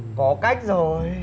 có cách rồi